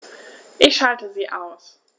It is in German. Ich schalte sie aus.